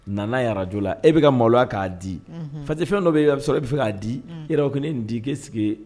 Nana araj la e bɛka ka maloya k'a di fati fɛn dɔ bɛ sɔrɔ e bɛ fɛ k'a di e ne nin'' sigi